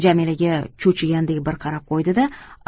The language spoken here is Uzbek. jamilaga cho'chigandek bir qarab qo'ydi da